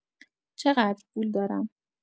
چه‌قدر پول دارم؟